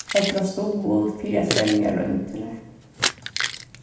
ella stuðul fyri at fremja royndirnar